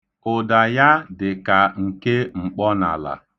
Ụda ya dị ka nke mkpọnala.